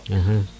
axa